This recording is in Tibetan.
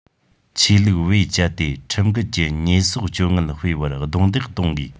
ཆོས ལུགས བེད སྤྱད དེ ཁྲིམས འགལ གྱི ཉེས གསོག སྤྱོད ངན སྤེལ བར རྡུང རྡེག གཏོང དགོས